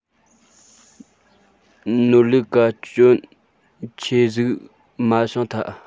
ནོར ལུག ག སྐྱོན ཆེ ཟིག མ བྱུང ཐལ